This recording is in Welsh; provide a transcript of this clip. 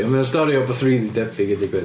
Ond mae o'n stori o rywbeth really debyg i digwydd.